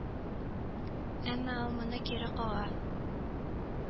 Әмма ул моны кире кага